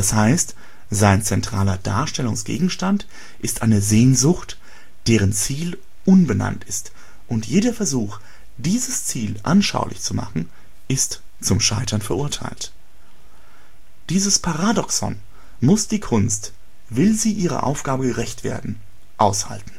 D. h. sein zentraler Darstellungsgegenstand ist eine Sehnsucht, deren Ziel unbekannt ist, und jeder Versuch, dieses Ziel anschaulich zu machen, ist zum Scheitern verurteilt. Dieses Paradoxon muss die Kunst, will sie ihrer Aufgabe gerecht werden, aushalten